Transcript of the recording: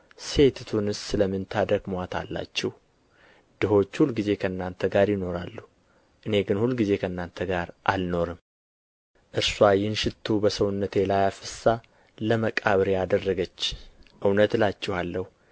ሴቲቱንስ ስለ ምን ታደክሙአታላችሁ ድሆች ሁልጊዜ ከእናንተ ጋር ይኖራሉና እኔ ግን ሁልጊዜ ከእናንተ ጋር አልኖርም እርስዋ ይህን ሽቱ በሰውነቴ ላይ አፍስሳ ለመቃብሬ አደረገች እውነት እላችኋለሁ